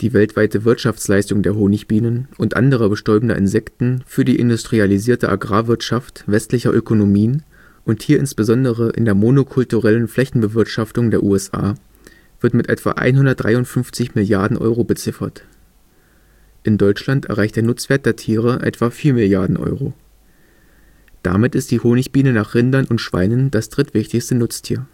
weltweite Wirtschaftsleistung der Honigbienen und anderer bestäubender Insekten für die industrialisierte Agrarwirtschaft westlicher Ökonomien, und hier insbesondere in der monokulturellen Flächenbewirtschaftung der USA, wird mit etwa 153 Milliarden Euro beziffert. In Deutschland erreicht der Nutzwert der Tiere etwa 4 Milliarden Euro. Damit ist die Honigbiene nach Rindern und Schweinen das drittwichtigste Nutztier